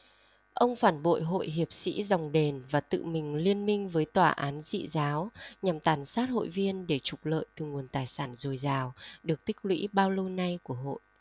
ông phản bội hội hiệp sĩ dòng đền và tự mình liên minh với tòa án dị giáo nhằm tàn sát hội viên để trục lợi từ nguồn tài sản dồi dào được tích lũy bao lâu nay của hội